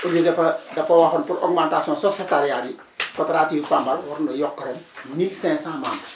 OSIRIS dafa dafa waxoon pour augmentation socétariat yi coopérative Pambal war na yokk ren 1500 membres